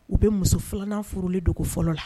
U bɛ muso filanan furulen dogo fɔlɔ la